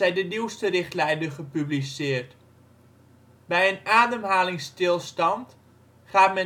de nieuwste richtlijnen gepubliceerd. Bij een ademhalingsstilstand gaat